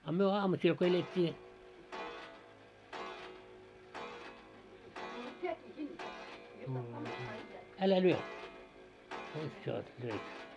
a me aamusella kun elettiin älä lyö nyt jo löi